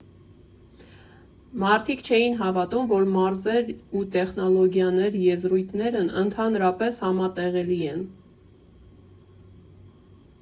Մարդիկ չէին հավատում, որ «մարզեր» ու «տեխնոլոգիաներ» եզրույթներն ընդհանրապես համատեղելի են։